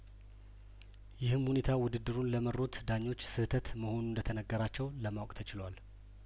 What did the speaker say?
ይህም ሁኔታ ውድድሩን ለመሩት ዳኞች ስህተት መሆኑ እንደተነገራቸው ለማወቅ ተችሏል